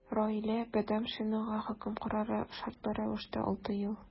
Раилә Бадамшинага хөкем карары – шартлы рәвештә 6 ел.